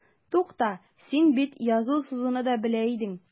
Тукта, син бит язу-сызуны да белә идең.